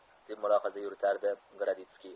deb mulohaza yuritardi gorodetskiy